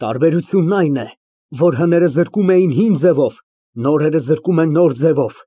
Տարբերությունն այն է, որ հները զրկում էին հին ձևով, նորերը զրկում են նոր ձևով։